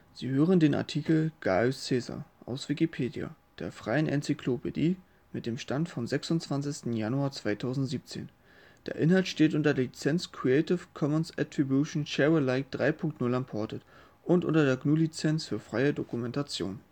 Sie hören den Artikel Gaius Caesar, aus Wikipedia, der freien Enzyklopädie. Mit dem Stand vom Der Inhalt steht unter der Lizenz Creative Commons Attribution Share Alike 3 Punkt 0 Unported und unter der GNU Lizenz für freie Dokumentation